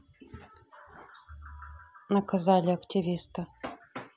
наказали активиста